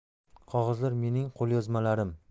qog'ozlar mening qo'lyozmalarim